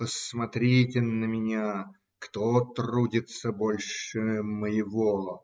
Посмотрите на меня: кто трудится больше моего?